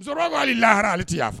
Musokɔrɔba ko hali lahara ale tɛ yaafa